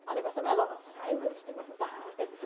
O'n i'n fatha meddwl, oedd yr ail gyfres ddim mor dda â'r gynta.